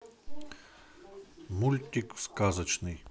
мультик сказочный